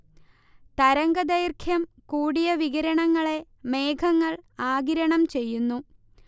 തരംഗദൈർഘ്യം കൂടിയ വികിരണങ്ങളെ മേഘങ്ങൾ ആഗിരണം ചെയ്യുന്നു